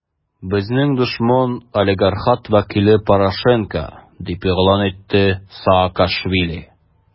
Безнең дошман - олигархат вәкиле Порошенко, - дип игълан итте Саакашвили.